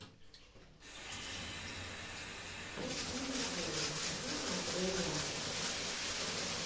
окей гугл я акула